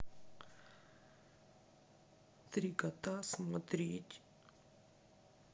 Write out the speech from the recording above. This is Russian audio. три кота смотреть